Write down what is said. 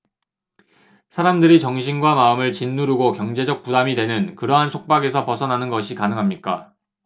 사람들이 정신과 마음을 짓누르고 경제적 부담이 되는 그러한 속박에서 벗어나는 것이 가능합니까